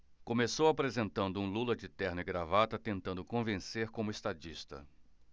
começou apresentando um lula de terno e gravata tentando convencer como estadista